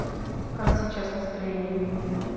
как сейчас настроение